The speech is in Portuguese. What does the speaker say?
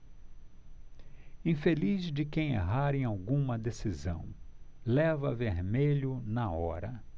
infeliz de quem errar em alguma decisão leva vermelho na hora